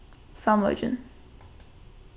samleikin